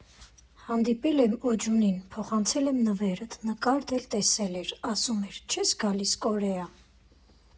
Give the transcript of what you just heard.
Հանդիպել եմ Օջունին, փոխանցել եմ նվերդ, նկարդ էլ տեսել էր, ասում էր՝ չե՞ս գալիս Կորեա։